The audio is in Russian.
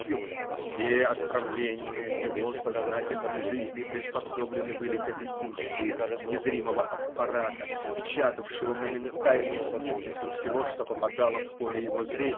все отправления его сознательной жизни приспособлены были к этой функции незримого аппарата, печатавшего моментальные снимки со всего, что попадало в поле его зрения.